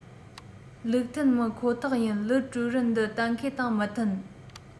ལུགས མཐུན མིན ཁོ ཐག ཡིན ལི ཀྲུའུ རེན འདི གཏན འཁེལ དང མི མཐུན